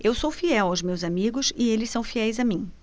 eu sou fiel aos meus amigos e eles são fiéis a mim